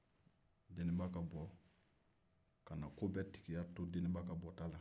deninba ka bɔ kana ko bɛɛ tigiya to deninba ka bɔ ta la